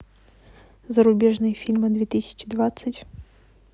зарубежные фильмы две тысячи двадцать